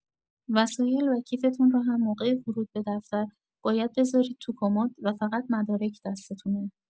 وسایل و کیفتون رو هم موقع ورود به دفتر باید بزارید تو کمد و فقط مدارک دستتونه